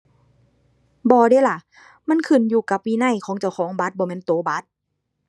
บ่เดะล่ะ มันขึ้นอยู่กับวินัยของเจ้าของบัตรบ่แม่นตัวบัตร